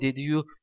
dedi yu